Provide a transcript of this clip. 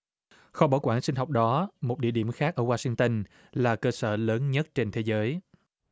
kho bảo quản sinh học đó một địa điểm khác ở oa sinh tơn là cơ sở lớn nhất trên thế giới